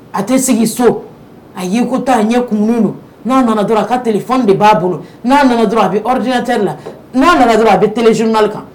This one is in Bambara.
A tɛ sigi so a ye ko ko 10 ɲɛn kununen don , n'a nana dɔrɔnw a ka telephone de b'a bolo, n'a nana dɔrɔnw , a bɛ $ ordinateur de la , n'a nana dɔrɔnw a bɛ télé journal _kan.